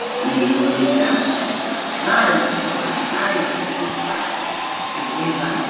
Yn meddwl y medar y ddynas llnau, ddynas llnau wneud y pwt bach 'ma i'r wefan.